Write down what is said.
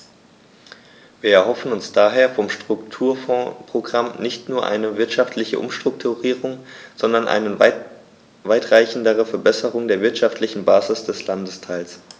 Wir erhoffen uns daher vom Strukturfondsprogramm nicht nur eine wirtschaftliche Umstrukturierung, sondern eine weitreichendere Verbesserung der wirtschaftlichen Basis des Landesteils.